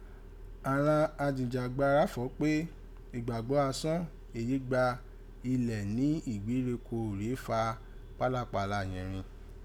Àghan ajìjàngbara fọ̀ọ́ pé ìgbàgbọ́ asán èyí gbà ilẹ̀ ni ìgbèríko rèé fà ìwà pálapalà yẹ̀n rin.